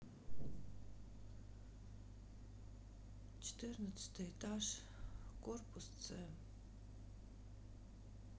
четырнадцатый этаж корпус ц